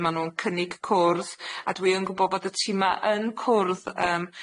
Ma nw'n cynnig cwrdd, a dwi yn gwbod bod y tima yn cwrdd yym